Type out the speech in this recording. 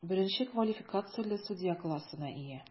Беренче квалификацияле судья классына ия.